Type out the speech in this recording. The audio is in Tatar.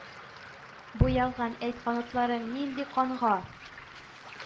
Буялган, әйт, канатларың нинди канга?» —